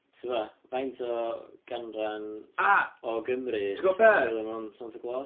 Tibod, faint o ganran... A! ...o Gymry... Ti gwbod be? ...sy'n coelio mewn Santa Clôs?